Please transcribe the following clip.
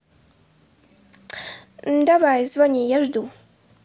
давай звони я жду